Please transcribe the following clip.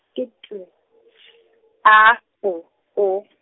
ke T S A B O .